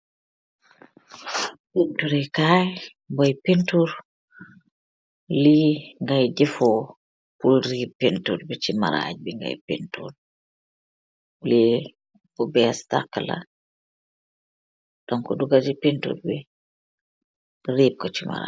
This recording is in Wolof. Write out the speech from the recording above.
brush bu nehteh bunyew paintureh.